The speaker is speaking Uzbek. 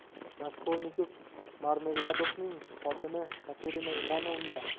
raskolnikov marmeladovning xotini katerina ivanovna